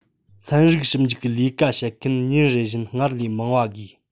ཚན རིག ཞིབ འཇུག གི ལས ཀ བྱེད མཁན ཉིན རེ བཞིན སྔར ལས མང བ དགོས